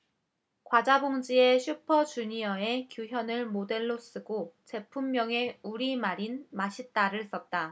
과자 봉지에 슈퍼주니어의 규현을 모델로 쓰고 제품명에 우리말인 맛있다를 썼다